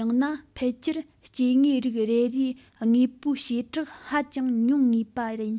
ཡང ན ཕལ ཆེར སྐྱེ དངོས རིགས རེ རེའི དངོས པོའི བྱེ བྲག ཧ ཅང ཉུང ངེས པ ཡིན